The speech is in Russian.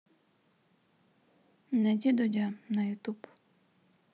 найди дудя на ютуб